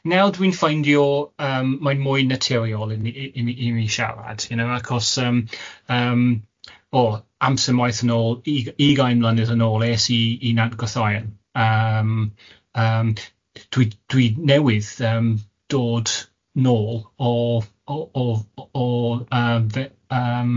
nawr dwi'n ffaindio yym mae'n mwy naturiol i ni i ni i ni siarad, you know, achos yym yym o amser maith yn ôl, ugain mlynedd yn ôl es i i Nant Gothaen yym yym dwi dwi newydd yym dod nôl o o o o yym fe- yym,